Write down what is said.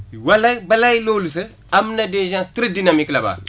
wala balaay loolu sax am na des gens très dynamiques là bas